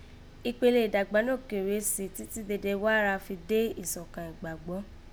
Ìkpele ìdàgbànókè rèé si "títí dede wá ra fi dé ìsọ̀kan ìgbàgbọ́